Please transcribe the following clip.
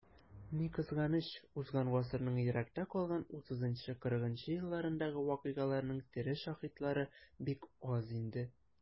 Ни кызганыч, узган гасырның еракта калган 30-40 нчы елларындагы вакыйгаларның тере шаһитлары бик аз инде.